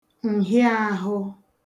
ǹhịaāhụ̄